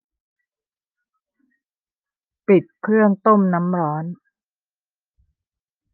ปิดเครื่องต้มน้ำร้อน